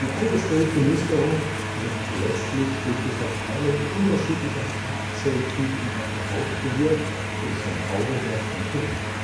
angestrebte Musterung wird letztlich durch die Verteilung unterschiedlicher Farbzell-Typen auf der Haut bewirkt und vom Auge her kontrolliert